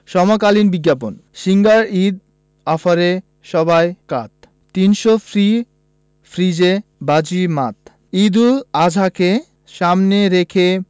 সমকালীন বিজ্ঞাপন সিঙ্গার ঈদ অফারে সবাই কাত ৩০০ ফ্রি ফ্রিজে বাজিমাত ঈদুল আজহাকে সামনে রেখে